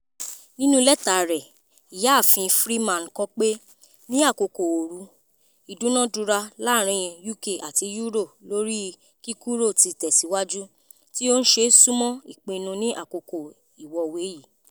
Nínú lẹ́tà rẹ̀, ìyáàfin Freeman kọ pé: "Ní àkókò ooru, ìdúnàdúrà láàrin UK àti EU lórí i kíkúrò ti tẹ̀síwájú, tí ó ń súnmọ̀ ìpinnu ní àkókò ìwọ́wé yìí.